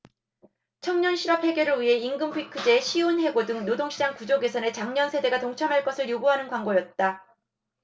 청년실업 해결을 위해 임금피크제 쉬운 해고 등 노동시장 구조 개선에 장년 세대가 동참할 것을 요구하는 광고였다